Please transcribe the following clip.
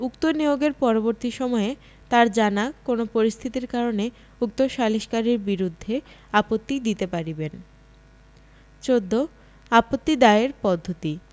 উক্ত নিয়োগের পরবর্তি সময়ে তার জানা কোন পরিস্থিতির কারণে উক্ত সালিসকারীর বিরুদ্ধে আপত্তি দিতে পারিবেন ১৪ আপত্তি দায়ের পদ্ধতি